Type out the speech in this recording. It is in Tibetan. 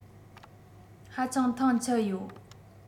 ཧ ཅང ཐང ཆད ཡོད